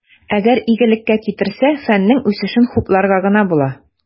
Әгәр игелеккә китерсә, фәннең үсешен хупларга гына була.